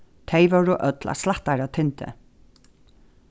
tey vóru øll á slættaratindi